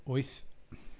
wyth